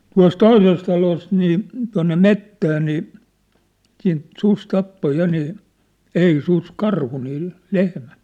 tuossa toisessa talossa niin tuonne metsään niin siitä susi tappoi ja niin ei susi karhu niin lehmän